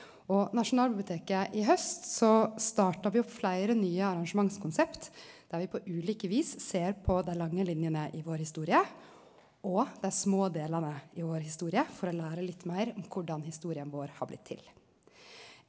og Nasjonalbiblioteket i haust så starta vi jo fleire nye arrangementskonsept der vi på ulike vis ser på dei lange linjene i vår historie og dei små delane i vår historie for å lære litt meir om korleis historia vår har blitt til.